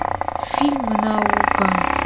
фильмы наука